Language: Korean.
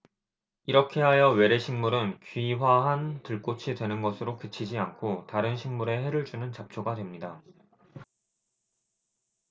이렇게 하여 외래 식물은 귀화한 들꽃이 되는 것으로 그치지 않고 다른 식물에 해를 주는 잡초가 됩니다